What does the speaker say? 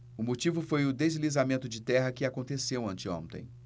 o motivo foi o deslizamento de terra que aconteceu anteontem